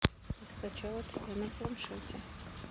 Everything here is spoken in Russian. я скачала тебя на планшете